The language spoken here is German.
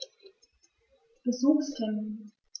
Besuchstermin